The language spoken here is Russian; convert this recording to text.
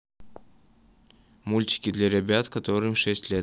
мультик для ребят которым шесть лет